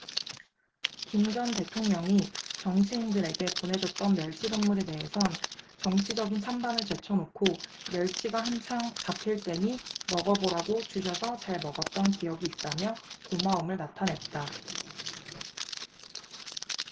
김 전 대통령이 정치인들에게 보내줬던 멸치 선물에 대해선 정치적인 찬반을 제쳐놓고 멸치가 한창 잡힐 때니 먹어보라고 주셔서 잘 먹었던 기억이 있다며 고마움을 나타냈다